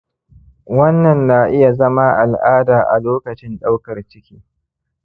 wannan na iya zama al’ada a lokacin daukar ciki.